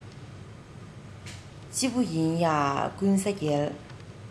གཅིག པུ ཡིན ང ཀུན ས རྒྱལ